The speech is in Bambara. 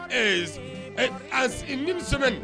Eee eee a ni sɛbɛnmɛ